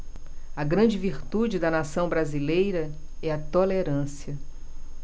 a grande virtude da nação brasileira é a tolerância